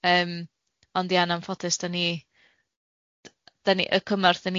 Yym, ond ia, yn anffodus, 'dan ni 'dan ni y- y cymorth 'dan